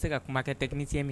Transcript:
E tɛ ka kuma kɛ technicien